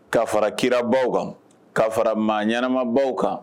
Ka fara kirarabaw kan ka fara maa ɲɛnaanama' kan